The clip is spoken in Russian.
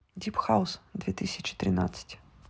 дип хаус две тысячи тринадцать